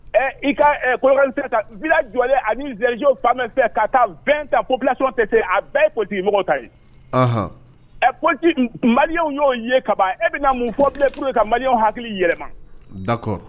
Ɛ i ka ka v jɔ ani zerezjo fa fɛ ka taa bɛn ta pso tɛ se yen a bɛɛ ye kotigimɔgɔ ka ɛ maria y'o ye ka ban e bɛna mun fɔ ku ka hakili yɛlɛma